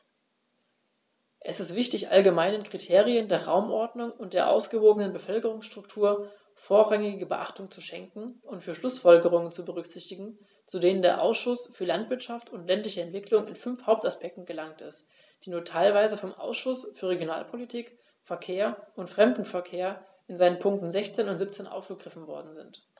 Es ist wichtig, allgemeinen Kriterien der Raumordnung und der ausgewogenen Bevölkerungsstruktur vorrangige Beachtung zu schenken und die Schlußfolgerungen zu berücksichtigen, zu denen der Ausschuss für Landwirtschaft und ländliche Entwicklung in fünf Hauptaspekten gelangt ist, die nur teilweise vom Ausschuss für Regionalpolitik, Verkehr und Fremdenverkehr in seinen Punkten 16 und 17 aufgegriffen worden sind.